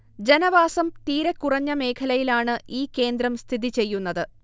ജനവാസം തീരെക്കുറഞ്ഞ മേഖലയിലാണ് ഈ കേന്ദ്രം സ്ഥിതി ചെയ്യുന്നത്